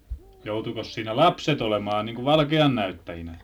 joutuikos siinä lapset olemaan niin kuin valkean näyttäjinä